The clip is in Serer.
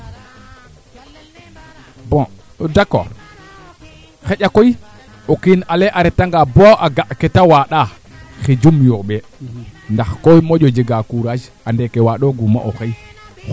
to tanino no misaal rek im leyaa yaago awaa jeg araaka ando naye ka ndoomit kusax qol la ndi o xob danga xobid naaga yip no saaku geek